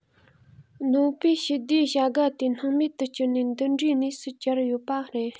ནོ པེལ ཞི བདེའི བྱ དགའ དེ སྣང མེད དུ བསྐྱུར ནས འདི འདྲའི གནས སུ གྱར ཡོད པ རེད